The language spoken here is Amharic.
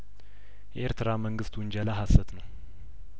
የኤርትራ መንግስት ውንጀላ ሀሰት ነው